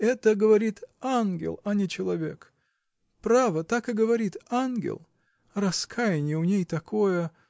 это, говорит, ангел, а не человек. Право, так и говорит: ангел. Раскаяние у ней такое.